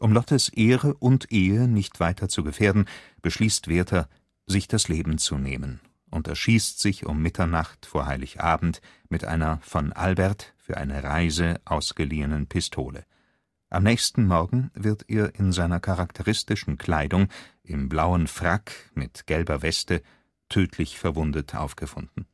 Lottes Ehre und Ehe nicht weiter zu gefährden, beschließt Werther, sich das Leben zu nehmen und erschießt sich um Mitternacht vor Heiligabend mit einer von Albert (für eine Reise) ausgeliehenen Pistole. Am nächsten Morgen wird er in seiner charakteristischen Kleidung (im blauem Frack mit gelber Weste) tödlich verwundet aufgefunden